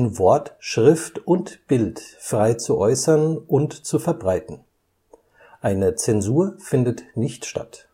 Wort, Schrift und Bild frei zu äußern und zu verbreiten […] Eine Zensur findet nicht statt